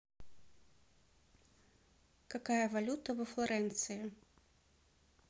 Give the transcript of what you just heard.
какая валюта во флоренции